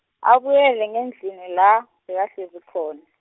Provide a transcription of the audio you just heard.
abuyele ngendlini la, bekahlezi khona.